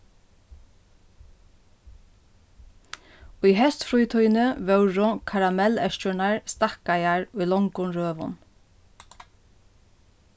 í heystfrítíðini vóru karamellueskjurnar stakkaðar í longum røðum